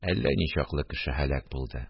Әллә ничаклы кеше һәлак булды